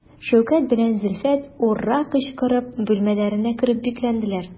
Шәүкәт белән Зөлфәт «ура» кычкырып бүлмәләренә кереп бикләнделәр.